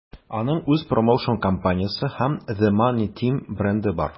Аның үз промоушн-компаниясе һәм The Money Team бренды бар.